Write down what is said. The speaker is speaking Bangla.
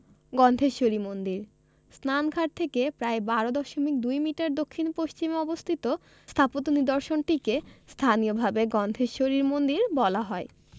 গন্ধেশ্বরী মন্দিরঃ স্নানঘাট থেকে প্রায় ১২ দশমিক ২ মিটার দক্ষিণ পশ্চিমে অবস্থিত স্থাপত্য নিদর্শনটিকে স্থানীয়ভাবে গন্ধেশ্বরীর মন্দির বলা হয়